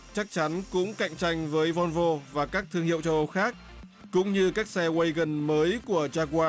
chắc chắn cũng cạnh tranh với von vô và các thương hiệu cho khác cũng như các xe goa gần mới của tra goa